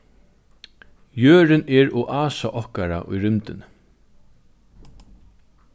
jørðin er oasa okkara í rúmdini